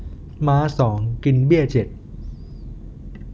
ม้าสองกินเบี้ยเจ็ด